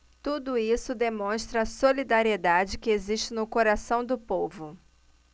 tudo isso demonstra a solidariedade que existe no coração do povo